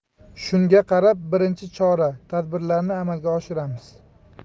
shunga qarab birinchi chora tadbirlarini amalga oshiramiz